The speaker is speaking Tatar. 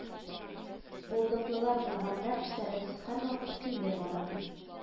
Булдыклылар булганда эшләребез һәрвакыт көйле бара, ди